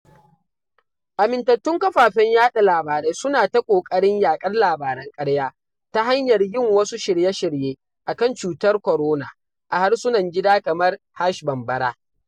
Amintattun kafafen yaɗa labarai suna ta ƙoƙarin yaƙar labaran ƙarya, ta hanyar yin wasu shirye-shirye a kan cutar Kwarona a harsunan gida kamar #bambara.